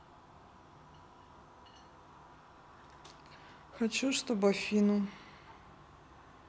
хочу чтоб афину